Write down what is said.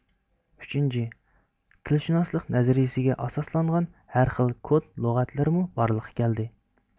ئۈچىنچى تىلشۇناسلىق نەزەرىيىسىگە ئاساسلانغان ھەرخىل كود لۇغەتلىرىمۇ بارلىققا كەلدى